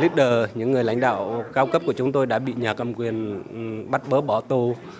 lít đờ những người lãnh đạo cao cấp của chúng tôi đã bị nhà cầm quyền bắt bớ bỏ tù